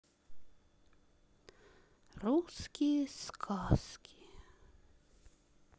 русские сказки